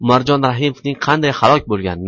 umarjon rahimovning qanday halok bo'lgani